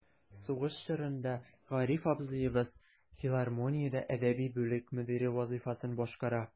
Сугыш чорында Гариф абзыебыз филармониядә әдәби бүлек мөдире вазыйфасын башкара.